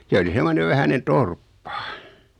se oli semmoinen vähäinen torppa